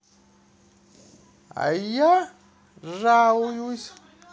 а я жалуюсь